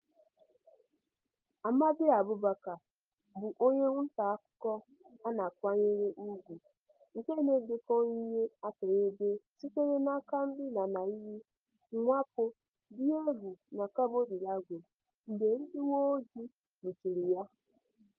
Amade Abubacar bụ onye ntaakụkọ a na-akwanyere ùgwù nke na-edekọ ihe akaebe sitere n'aka ndị lanarịrị mwakpo dị egwu na Cabo Delgado mgbe ndị uweojii nwụchiri ya.